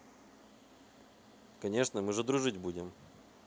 конечно мы же дружить будем